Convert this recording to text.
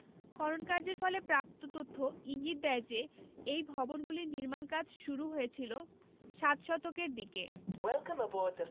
খননকার্যের ফলে প্রাপ্ত তথ্য ইঙ্গিত দেয় যে এই ভবনগুলির নির্মাণ কাজ শুরু হয়েছিল সাত শতকের দিকে